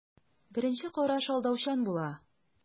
Беренче караш алдаучан була.